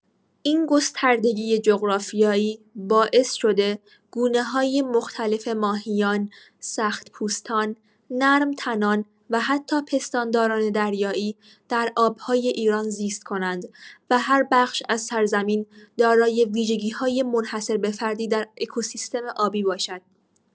این گستردگی جغرافیایی باعث شده گونه‌های مختلف ماهیان، سخت‌پوستان، نرم‌تنان و حتی پستانداران دریایی در آب‌های ایران زیست کنند و هر بخش از سرزمین دارای ویژگی‌های منحصر به فردی در اکوسیستم آبی باشد.